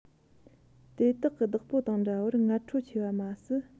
དེ དག གི བདག པོ དང འདྲ བར ངར ཁྲོ ཆེ བ མ ཟད